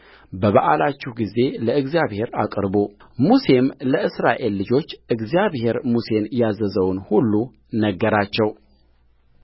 በበዓላችሁ ጊዜ ለእግዚአብሔር አቅርቡሙሴም ለእስራኤል ልጆች እግዚአብሔር ሙሴን ያዘዘውን ሁሉ ነገራቸው